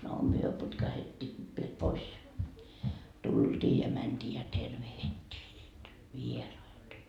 no me putkahdettiin vielä pois ja tultiin ja mentiin ja tervehdittiin niitä vieraita